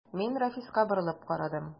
Мин Рафиска борылып карадым.